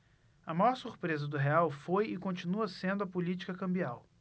a maior surpresa do real foi e continua sendo a política cambial